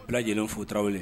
Bɛɛ lajɛlen fo tarawele